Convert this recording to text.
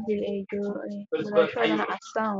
wiil oo fadhiyo